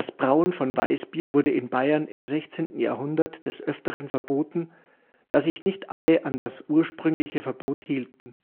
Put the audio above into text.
Brauen von Weißbier wurde in Bayern im 16. Jahrhundert des Öfteren verboten, da sich nicht alle an das ursprüngliche Verbot hielten